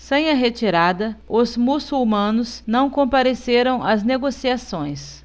sem a retirada os muçulmanos não compareceram às negociações